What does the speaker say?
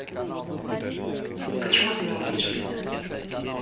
почему ты не умеешь писать